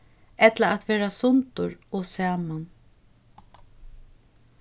ella at vera sundur og saman